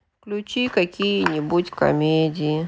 включи какие нибудь комедии